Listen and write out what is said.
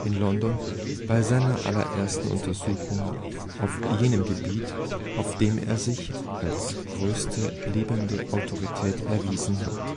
in London bei seiner allerersten Untersuchung auf jenem Gebiet, auf dem er sich als größte lebende Autorität erwiesen hat